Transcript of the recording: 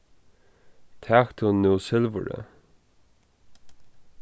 tak tú nú silvurið